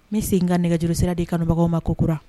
N bɛ segin ka nɛgɛjuru sira di kanubagaw ma kokura